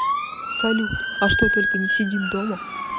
салют а что только не сидим дома